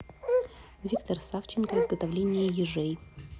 виктор савченко изготовление ежей